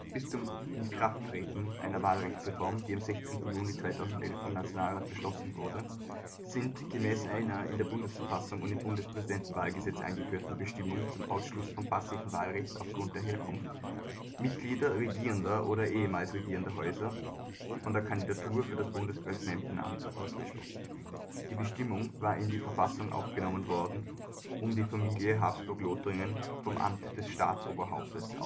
Bis zum Inkraftreten der Wahlrechtsreform, die am 16. Juni 2011 vom Nationalrat beschlossen wurde, sind gemäß einer in der Bundesverfassung und im Bundespräsidentenwahlgesetz angeführten Bestimmung zum Ausschluss vom passiven Wahlrecht auf Grund der Herkunft, „ Mitglieder regierender oder ehemals regierender Häuser “, von der Kandidatur für das Bundespräsidentenamt ausgeschlossen. Die Bestimmung war in die Verfassung aufgenommen worden, um die Familie Habsburg-Lothringen vom Amt des Staatoberhauptes